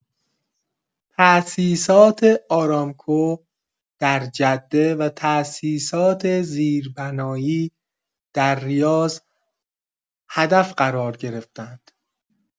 تاسیسات آرامکو در جده و تاسیسات زیربنایی در ریاض هدف قرار گرفتند.